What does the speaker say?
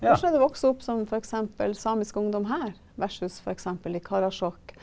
hvordan er det å vokse opp som f.eks. samisk ungdom her versus f.eks. i Karasjok.